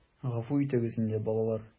Гафу итегез инде, балалар...